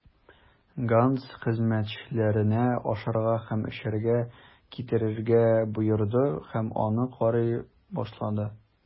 Ганс хезмәтчеләренә ашарга һәм эчәргә китерергә боерды һәм аны карый башлады.